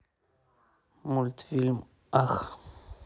мультфильм ах